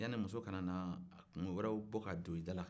yanni muso kana na kunko wɛrɛw bɔ k'a don i dala